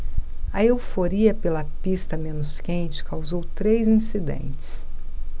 a euforia pela pista menos quente causou três incidentes